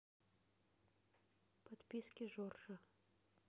подписки жоржа